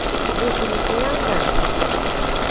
джой ты лесбиянка